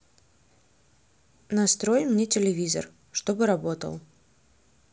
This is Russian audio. настрой мне телевизор чтобы работал